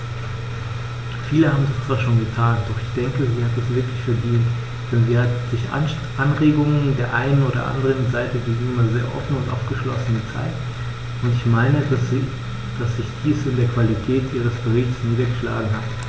Viele haben das zwar schon getan, doch ich denke, sie hat es wirklich verdient, denn sie hat sich Anregungen der einen und anderen Seite gegenüber sehr offen und aufgeschlossen gezeigt, und ich meine, dass sich dies in der Qualität ihres Berichts niedergeschlagen hat.